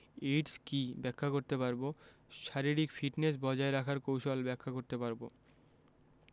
AIDS কী ব্যাখ্যা করতে পারব শারীরিক ফিটনেস বজায় রাখার কৌশল ব্যাখ্যা করতে পারব